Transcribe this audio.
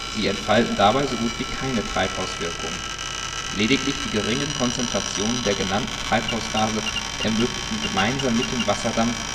Sie entfalten dabei so gut wie keine Treibhauswirkung. Lediglich die geringen Konzentrationen der genannten Treibhausgase ermöglichen gemeinsam mit dem Wasserdampf